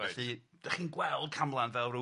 Felly 'dach chi'n gweld camlan fel r'w